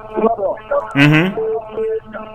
Unhun